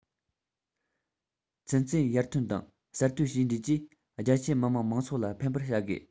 ཚན རྩལ ཡར ཐོན དང གསར གཏོད བྱས འབྲས ཀྱིས རྒྱ ཆེའི མི དམངས མང ཚོགས ལ ཕན པར བྱ དགོས